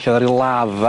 Lle o'dd 'na ryw lafa